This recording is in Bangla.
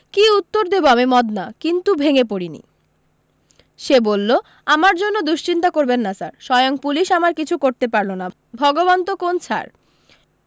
কী উত্তর দেবো আমি মদনা কিন্তু ভেঙে পড়েনি সে বললো আমার জন্য দুশ্চিন্তা করবেন না স্যার স্বয়ং পুলিশ আমার কিছু করতে পারলো না ভগবান তো কোন ছার